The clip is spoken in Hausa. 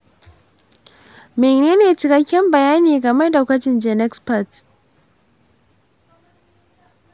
menene cikakken bayani game da gwajin genexpert?